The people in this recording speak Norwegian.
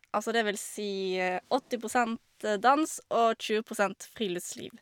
Altså, det vil si åtti prosent dans og tjue prosent friluftsliv.